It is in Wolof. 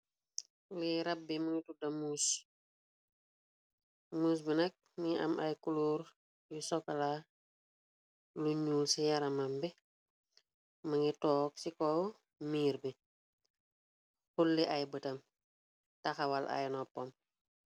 wi rab bi mëngi tudda muus, bi nakk mu ng am ay kuluor yu sokala lu ñuul ci yaramam bi. Mu ngi toog ci kow miir bi xulli, ay bëtam taxawal ay noppam.